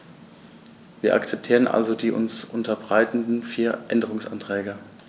Wir akzeptieren also die uns unterbreiteten vier Änderungsanträge.